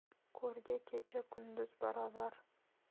ko'rga kecha kunduz barobar